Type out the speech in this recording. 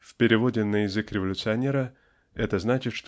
В переводе на язык революционера это значит